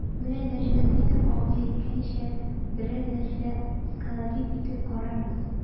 Менә Нәҗметдинов абый әйткәнчә, берәр нәрсә сколотить итеп карарбыз.